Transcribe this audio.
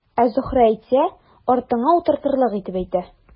Ә Зөһрә әйтсә, артыңа утыртырлык итеп әйтә.